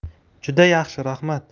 juda yaxshi raxmat